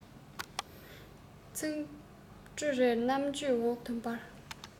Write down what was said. ཚིག འབྲུ རེ རེར རྣམ དཔྱོད འོད དུ འབར